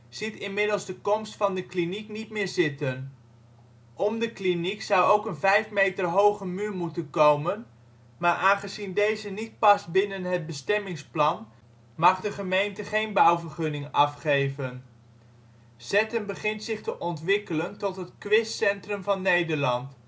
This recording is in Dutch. ziet inmiddels de komst van de kliniek niet meer zitten. Om de kliniek zou ook een vijf meter hoge muur moeten komen, maar aangezien deze niet past binnen het bestemmingsplan, mag de gemeente geen bouwvergunning afgeven. Zetten begint zich te ontwikkelen tot het quiz-centrum van Nederland